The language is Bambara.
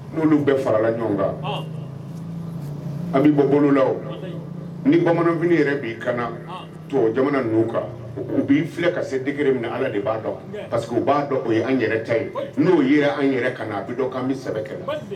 N' bɛ farala ɲɔgɔn kan a bɛ bɔ bolola ni bamanan yɛrɛ b'i kana tu jamana ninnu kan u b'i filɛ ka se degegre minɛ ala de b'a dɔn pa que u b'a dɔn o an yɛrɛ ta ye n'o yɛrɛ an yɛrɛ ka na a bɛ dɔn an bɛ sɛbɛn kɛ